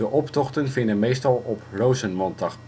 optochten vinden meestal op Rosenmontag